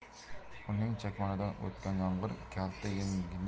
uning chakmonidan o'tgan yomg'ir kalta